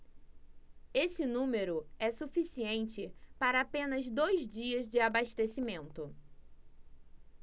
esse número é suficiente para apenas dois dias de abastecimento